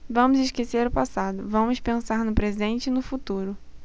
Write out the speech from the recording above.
vamos esquecer o passado vamos pensar no presente e no futuro